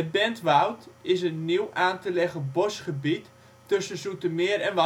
Bentwoud is een nieuw aan te leggen bosgebied tussen Zoetermeer en